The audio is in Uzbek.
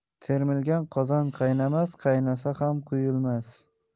termilgan qozon qaynamas qaynasa ham quyilmas